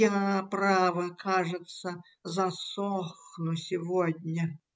– Я, право, кажется, засохну сегодня.